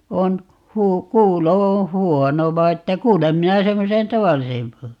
on - kuulo on huono vaan että kuulen minä semmoisen tavallisen -